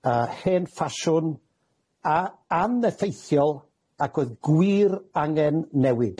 yy hen ffasiwn a aneffeithiol, ac oedd gwir angen newid.